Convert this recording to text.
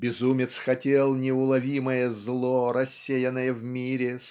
Безумец хотел неуловимое зло рассеянное в мире